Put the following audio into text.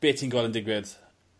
Be' ti'n gwel' yn digwydd...